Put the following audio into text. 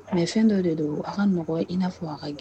Mɛ fɛn dɔ de don aw kaɔgɔn i n'a fɔ aw ka gɛn